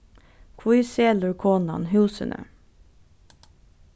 hví selur konan húsini